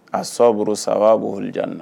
Asɔbre sawaabul jan na.